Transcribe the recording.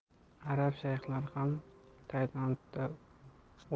arab shayhlari ham taylandda o'yingga